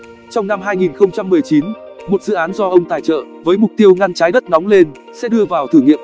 trong năm một dự án do ông tài trợ với mục tiêu ngăn trái đất nóng lên sẽ đưa vào thử nghiệm